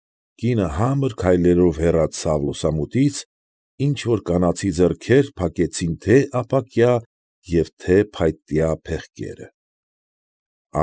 Կինը համր քայլերով հեռացավ լուսամուտից, ինչ֊որ կանացի ձեռքեր փակեցին թե՛ ապակյա և թե՛ փայտյա փեղկերը։